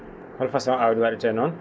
hol façon aawdi wa?etee noon